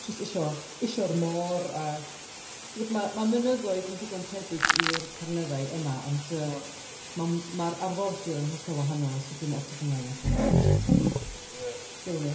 Jyst isio isio'r môr a ti gwbod ma' mynyddoedd yn digon tebyg i'r Carneddau yma. Ond yy ma' ma'r arfordir yn hollol wahanol, so dwi'n edrych ymlaen at hwnna a jyst yy tsilio.